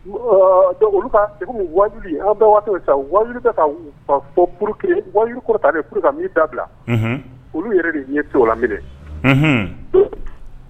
Waju bɛ waatito sa wadu ka fa fɔ wajuduta da bila olu yɛrɛ de ye la minɛ